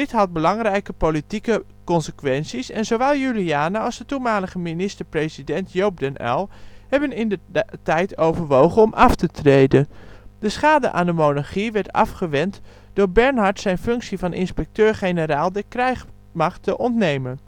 had belangrijke politieke consequenties en zowel Juliana als de toenmalige minister-president Joop den Uyl hebben indertijd overwogen om af te treden. De schade aan de monarchie werd afgewend door Bernhard zijn functie van Inspecteur-Generaal der Krijgsmacht te ontnemen